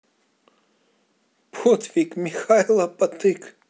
подвиг михайло потык